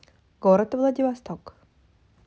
город владивосток